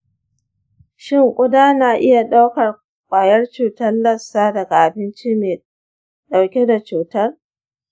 shin ƙuda na iya ɗaukar kwayar cutar lassa daga abinci mai ɗauke da cutar?